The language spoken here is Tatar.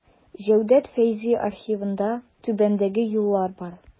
Җәүдәт Фәйзи архивында түбәндәге юллар бар.